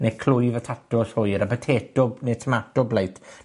Ne' clwyf y tatws hwyr, y potato ne' tomato blight.